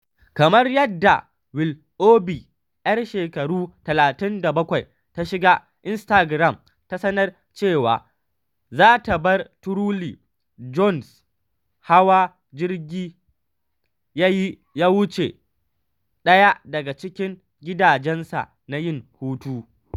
Kamar yadda Willoughby, yar shekaru 37, ta shiga Instagram ta sanar cewa za ta bar Truly, Jones hawa jirgi ya yi ya wuce ɗaya daga cikin gidajensa na yin hutu.